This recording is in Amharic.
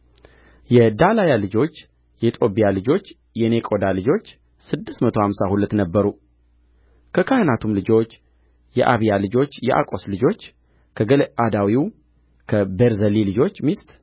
የዳላያ ልጆች የጦብያ ልጆች የኔቆዳ ልጆች ስድስት መቶ አምሳ ሁለት ነበሩ ከካህናቱም ልጆች የኤብያ ልጆች የአቆስ ልጆች ከገለዓዳዊው ከቤርዜሊ ልጆች ሚስት